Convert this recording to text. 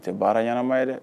A tɛ baara ɲɛnaanama ye dɛ